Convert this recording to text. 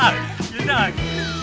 dính ời